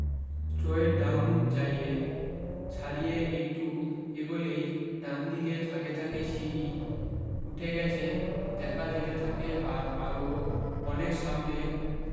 straight down যাইয়ে ছাড়িয়ে একটু এগোলেই ডানদিকে থাকে থাকে সিঁড়ি উঠে গ্যাছে দ্যাখা যেতে থাকে আর আরও অনেক সামনে